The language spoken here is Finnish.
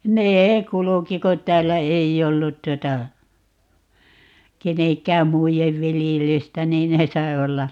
ne kulki kun täällä ei ollut tuota kenenkään muiden viljelystä niin ne sai olla